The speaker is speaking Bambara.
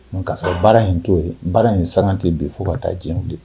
Ka sɔrɔ baara in to yen baara in sante bi fo ka taa diɲɛ de